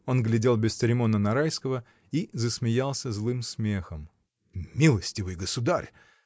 Он глядел бесцеремонно на Райского и засмеялся злым смехом. — Милостивый государь!